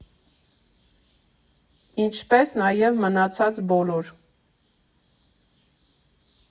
Ինչպես նաև մնացած բոլոր։